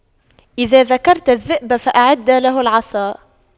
إذا ذكرت الذئب فأعد له العصا